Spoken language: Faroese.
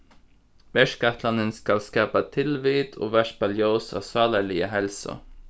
verkætlanin skal skapa tilvit og varpa ljós á sálarliga heilsu